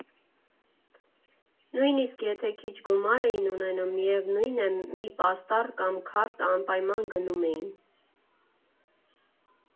Նույնսիկ եթե քիչ գումար էին ունենում, միևնույն է՝ մի պաստառ կամ քարդ անպայման գնում էին։